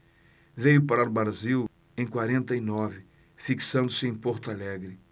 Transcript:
veio para o brasil em quarenta e nove fixando-se em porto alegre